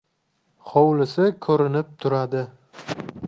hovlisi ko'rinib turadi